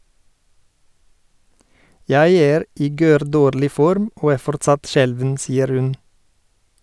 - Jeg er i gørrdårlig form og er fortsatt skjelven, sier hun.